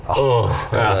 å ja.